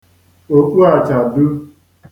òkpuàchàdu